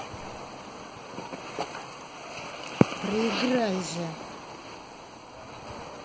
проиграй же